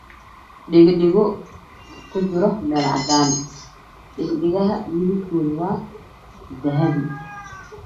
Dhego dhego ku jiro meel cadaan ah mideb koodu waa dahabi